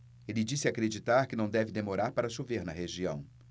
ele disse acreditar que não deve demorar para chover na região